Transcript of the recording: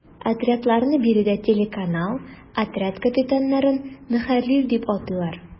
Отрядларны биредә “телеканал”, отряд капитаннарын “ мөхәррир” дип атыйлар.